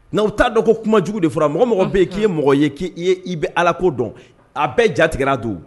Mɛ u taaa dɔn ko kuma jugu de fɔlɔ mɔgɔ mɔgɔ bɛ k'i ye mɔgɔ ye k'i i bɛ ala ko dɔn a bɛɛ jatigitigɛrana don